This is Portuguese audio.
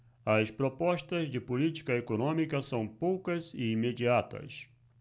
as propostas de política econômica são poucas e imediatas